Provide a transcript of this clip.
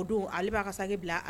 O don ale b'a ka segin bila